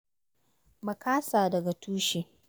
Makasa daga tushe